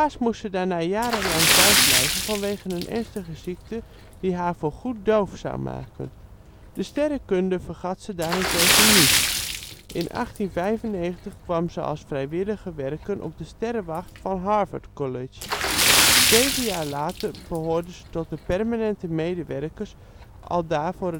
moest ze daarna jarenlang thuis blijven vanwege een ernstige ziekte die haar voorgoed doof zou maken. De sterrenkunde vergat ze daarentegen niet. In 1895 kwam ze als vrijwilliger werken op de sterrenwacht van Harvard College. Zeven jaar later behoorde ze tot de permanente medewerkers aldaar voor